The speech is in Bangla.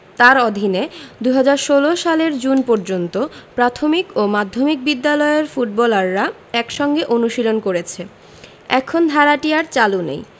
তাঁর অধীনে ২০১৬ সালের জুন পর্যন্ত প্রাথমিক ও মাধ্যমিক বিদ্যালয়ের ফুটবলাররা একসঙ্গে অনুশীলন করেছে এখন ধারাটি আর চালু নেই